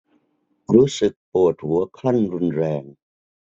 รู้สึกปวดหัวขั้นรุนแรง